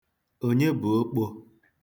Onye bụ okpo?